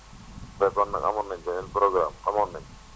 su fekkoon ne amoon nañ beneen programme xamoon nañ